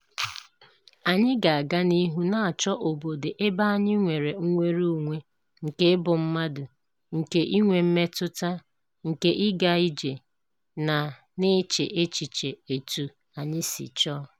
Anyị ga-aga n'ihu na-achọ obodo ebe anyị nwere nnwere onwe nke ịbụ mmadụ, nke inwe mmetụta, nke ịga ije na na-eche echiche etu anyị si chọọ.